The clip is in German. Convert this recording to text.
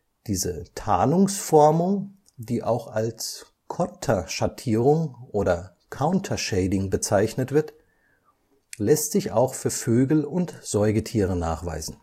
Diese Tarnungsformung, die auch als Konterschattierung oder Counter Shading bezeichnet wird, lässt sich auch für Vögel und Säugetiere nachweisen